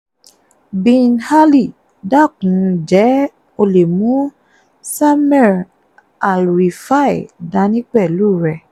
Bin Ali dákun ǹjẹ́ o lè mú samir alrifai dání pẹ̀lú rẹ?